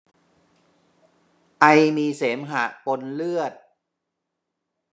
ไอมีเสมหะปนเลือด